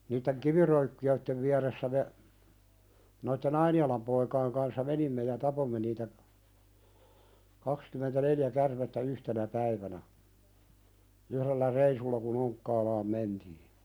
niiden kiviröykkiöiden vieressä me noiden Ainialan poikien kanssa menimme ja tapoimme niitä kaksikymmentäneljä käärmettä yhtenä päivänä yhdellä reissulla kun Onkkaalaan mentiin